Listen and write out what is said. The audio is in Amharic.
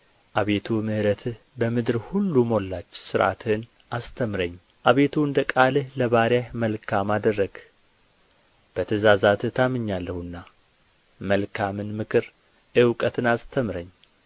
አቤቱ ምሕረትህ በምድር ሁሉ ሞላች ሥርዓትህን አስተምረኝ አቤቱ እንደ ቃልህ ለባሪያህ መልካም አደረግህ በትእዛዛትህ ታምኛለሁና መልካም ምክርና እውቀትን አስተምረኝ